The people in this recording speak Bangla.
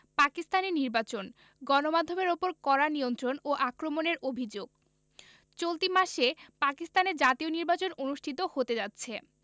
পাকিস্তানে নির্বাচন গণমাধ্যমের ওপর কড়া নিয়ন্ত্রণ ও আক্রমণের অভিযোগ চলতি মাসে পাকিস্তানে জাতীয় নির্বাচন অনুষ্ঠিত হতে যাচ্ছে